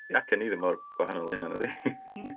Acen i ddim mor wahanol a hynna nadi !